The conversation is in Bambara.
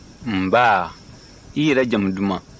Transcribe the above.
nba i yɛrɛ jamu duman